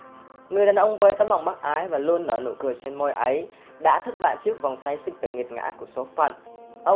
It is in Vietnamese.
người đàn ông với tấm lòng bác ái và luôn nở nụ cười trên môi ấy đã thất bại trước vòng xoay sinh tử nghiệt ngã của số phận